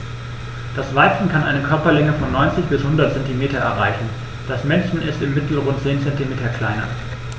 Das Weibchen kann eine Körperlänge von 90-100 cm erreichen; das Männchen ist im Mittel rund 10 cm kleiner.